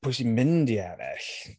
Pwy sy'n mynd i ennill?